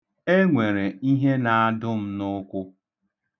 E nwere ihe na-adụ m n'ụkwụ.